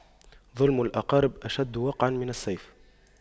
ظلم الأقارب أشد وقعا من السيف